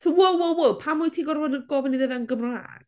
So whoa whoa whoa, pam wyt ti'n gorfod gofyn iddo fe yn Gymraeg?